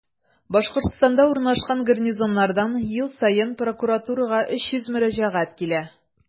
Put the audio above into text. Башкортстанда урнашкан гарнизоннардан ел саен прокуратурага 300 мөрәҗәгать килә.